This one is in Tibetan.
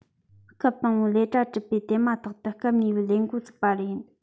སྐབས དང པོའི ལས གྲ གྲུབ པའི དེ མ ཐག ཏུ སྐབས གཉིས པའི ལས འགོ བཙུགས པ ཡིན